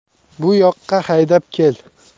bu yoqqa haydab kel